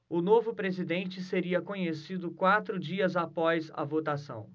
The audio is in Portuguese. o novo presidente seria conhecido quatro dias após a votação